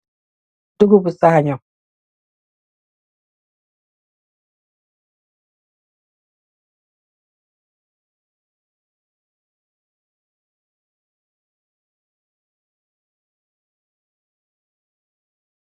Dogub bi sanyoo